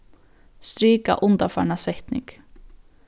strika undanfarna setning